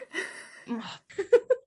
O.